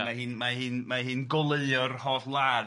...ma' hi'n ma' hi'n ma' hi'n goleuo'r holl wlad